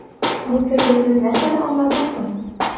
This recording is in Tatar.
Бу серле сүз нәрсәне аңлата соң?